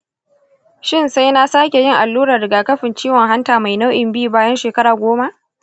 shin sai na sake yin allurar rigakafin ciwon hanta mai nau’in b bayan shekara goma?